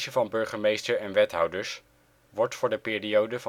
van burgemeester en wethouders wordt voor de periode